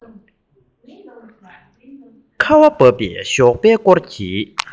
ཁ བ བབས པའི ཞོགས པའི སྐོར གྱི